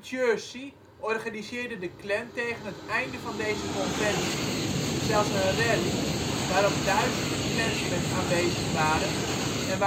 Jersey organiseerde de Klan tegen het einde van deze conventie zelfs een rally waarop duizenden Klansmen aanwezig waren en